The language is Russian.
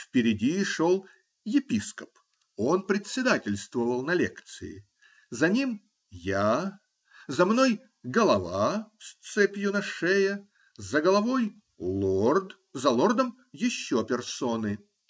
Впереди шел епископ (он председательствовал на лекции), за ним -- я, за мной -- голова с цепью на шее, за головой -- лорд, за лордом -- еще персоны.